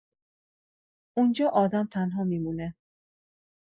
اون‌جا آدم تنها می‌مونه.